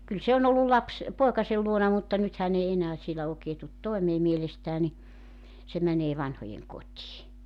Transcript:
kyllä se on ollut - poikansa luona mutta nyt hän ei enää siellä oikein tule toimeen mielestään niin se menee vanhojenkotiin